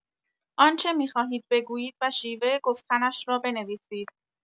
آنچه می‌خواهید بگویید و شیوه گفتنش را بنویسید.